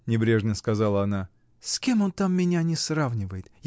— небрежно сказала она, — с кем он там меня не сравнивает?